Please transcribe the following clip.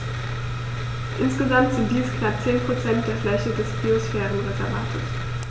Insgesamt sind dies knapp 10 % der Fläche des Biosphärenreservates.